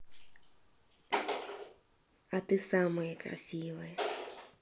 а ты самая красивая